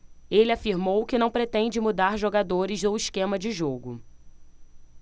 ele afirmou que não pretende mudar jogadores ou esquema de jogo